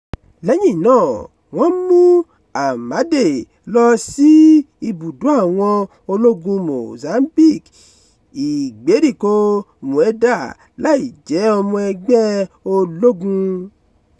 Lẹ́yìn náà, wọ́n mú Amade lọ sí ibùdó àwọn ológun Mozambique ní ìgbèríko Mueda láìjẹ́ ọmọ ẹgbẹ́ ológun.